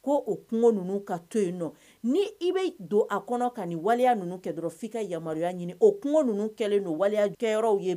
To yen ni i bɛ don a kɔnɔ ka waliya ninnu kɛ dɔrɔn f' ka yamaruya ɲini o kungo ninnu kɛlenya yɔrɔ